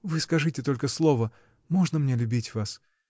— Вы скажите только слово, можно мне любить вас?